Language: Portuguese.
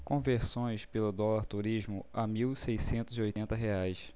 conversões pelo dólar turismo a mil seiscentos e oitenta reais